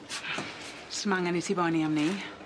S'm angen i ti boeni am 'ny.